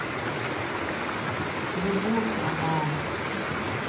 любовь роман